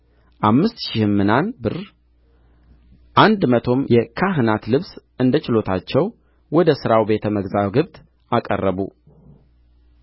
አምስት ሺህም ምናን ብር አንድ መቶም የካህናት ልብስ እንደ ችሎታቸው ወደ ሥራው ቤተ መዛግብት አቀረቡ